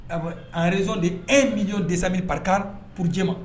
Anrezson de e mijo desa bɛ pa pjɛ ma